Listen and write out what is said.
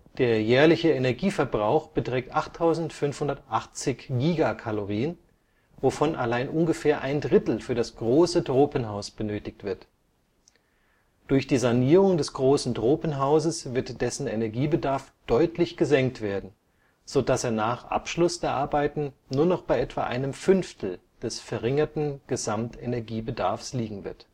Der jährliche Energieverbrauch beträgt 8580 Gcal (Giga-Kalorien), wovon allein ungefähr ein Drittel für das Große Tropenhaus benötigt wird. Durch die Sanierung des Großen Tropenhauses wird dessen Energiebedarf deutlich gesenkt werden, sodass er nach Abschluss der Arbeiten nur noch bei etwa einem Fünftel des verringerten Gesamtenergiebedarfs liegen wird